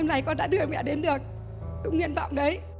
nay con đã đưa mẹ đến được cái nguyện vọng đấy